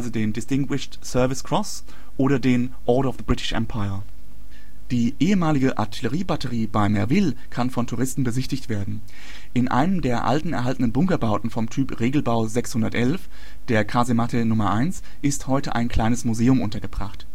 den Distinguished Service Cross oder den Order of the British Empire. Die ehemalige Artilleriebatterie bei Merville kann von Touristen besichtigt werden. In einem der alten erhaltenen Bunkerbauten vom Typ Regelbau 611, der Kasematte Nr. 1, ist heute ein kleines Museum untergebracht